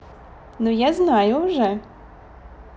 ну я знаю уже